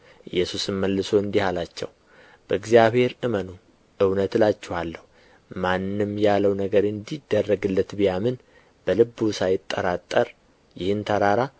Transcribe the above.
ኢየሱስም መልሶ እንዲህ አላቸው በእግዚአብሔር እመኑ እውነት እላችኋለሁ ማንም ያለው ነገር እንዲደረግለት ቢያምን በልቡ ሳይጠራጠር ይህን ተራራ